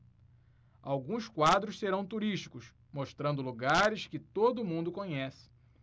alguns quadros serão turísticos mostrando lugares que todo mundo conhece